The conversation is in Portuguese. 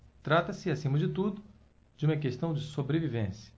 trata-se acima de tudo de uma questão de sobrevivência